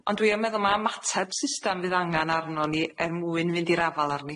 Ond dwi yn meddwl ma' ymateb system fydd angan arnon ni er mwyn fynd i'r afal arni.